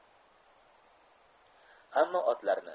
hamma otlarni